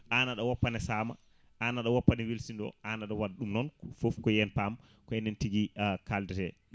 an aɗa woppa ne saama ana aɗa woppa ne welsido an aɗa waɗa ɗum noon foof ko yen paam ko enen tigui a kaldete